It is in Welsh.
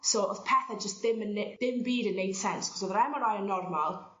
So o'dd pethe jyst ddim yn ne- ddim byd yn neud sense achos o'dd yr Em Are Eye yn normal